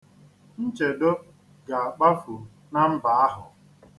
Nchedo ga-akpafu na mba ahụ.